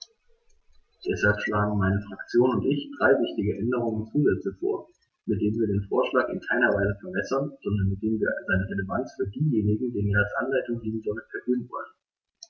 Deshalb schlagen meine Fraktion und ich drei wichtige Änderungen und Zusätze vor, mit denen wir den Vorschlag in keiner Weise verwässern, sondern mit denen wir seine Relevanz für diejenigen, denen er als Anleitung dienen soll, erhöhen wollen.